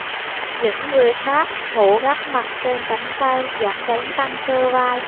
những người khác ngủ gác mặt trên cánh tay dẫn đến căng cơ vai